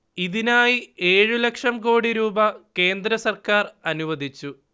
ഇതിനായി ഏഴ് ലക്ഷം കോടി രൂപ കേന്ദ്ര സർക്കാർ അനുവദിച്ചു